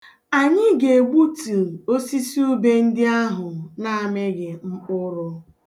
Anyị ga -egbutu osisi ube ndị ahụ na amịghị mkpụrụ.